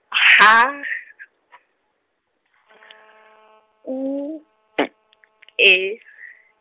H , U P E.